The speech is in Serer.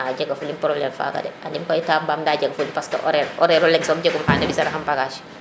xa a jega fulim probleme faga de andim koy ta mbamir parce horaire leŋ som jegum tene mbisa naxam bagage